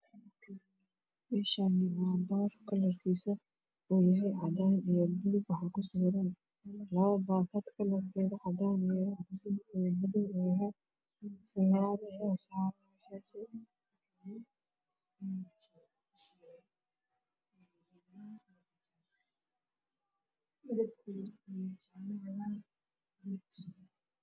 Meeshaasi waa boor kalarkiisa uu yahay cadaan iyo buluug waxaa ku sawiran labo baakad kalarkoodu yahay cadaan iyo madow